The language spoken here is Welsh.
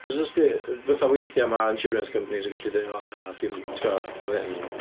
Achos os 'di... fatha weithiau mae insurance companies yn gallu deud "o na, dim tibod oedd hyn yn..."